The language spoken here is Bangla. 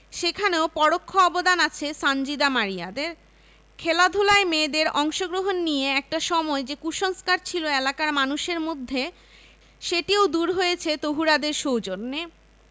সেখানেও পরোক্ষ অবদান আছে সানজিদা মারিয়াদের খেলাধুলায় মেয়েদের অংশগ্রহণ নিয়ে একটা সময় যে কুসংস্কার ছিল এলাকার মানুষের মধ্যে সেটিও দূর হয়েছে তহুরাদের সৌজন্যে